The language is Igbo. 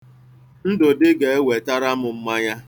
Ndụdị ga-ewetara m mmanya.